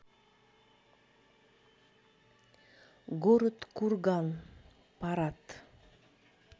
город курган парад